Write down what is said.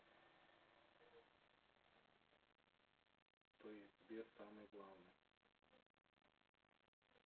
то есть сбер самый главный